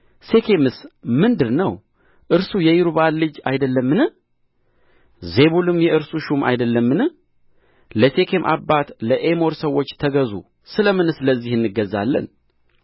ሴኬምስ ምንድርነው እርሱ የይሩብኣል ልጅ አይደለምን ዜቡልም የእርሱ ሹም አይደለምን ለሴኬም አባት ለኤሞር ሰዎች ተገዙ ስለ ምንስ ለዚህ እንገዛለን